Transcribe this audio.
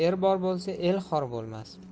er bor bo'lsa el xor bo'lmas